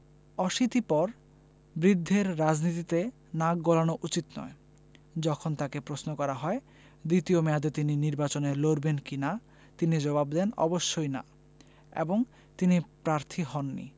অশীতিপর বৃদ্ধের রাজনীতিতে নাক গলানো উচিত নয় যখন তাঁকে প্রশ্ন করা হয় দ্বিতীয় মেয়াদে তিনি নির্বাচনে লড়বেন কি না তিনি জবাব দেন অবশ্যই না এবং তিনি প্রার্থী হননি